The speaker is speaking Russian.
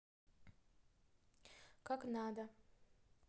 как надо